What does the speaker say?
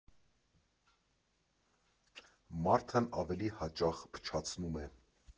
Մարդն ավելի հաճախ փչացնում է։